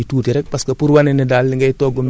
dañu naan xet xet mais du xet bu garaaw quoi